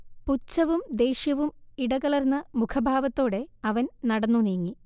പുച്ഛവും ദേഷ്യവും ഇടകലർന്ന മുഖഭാവത്തോടെ അവൻ നടന്നുനീങ്ങി